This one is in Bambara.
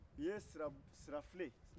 u ye sirafile